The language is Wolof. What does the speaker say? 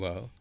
waaw